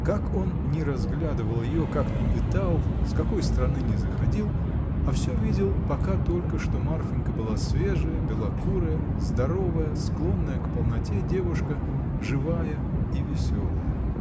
Как он ни разглядывал ее, как ни пытал, с какой стороны ни заходил, а всё видел пока только, что Марфинька была свежая, белокурая, здоровая, склонная к полноте девушка, живая и веселая.